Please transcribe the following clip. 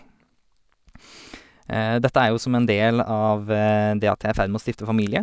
Dette er jo som en del av det at jeg er i ferd med å stifte familie.